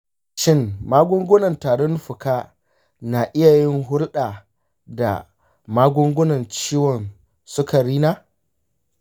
shin magungunan tarin fuka na iya yin hulɗa da magungunan ciwon sukari na?